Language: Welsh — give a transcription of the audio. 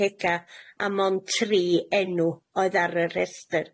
cega, a mond tri enw oedd ar y rhestyr.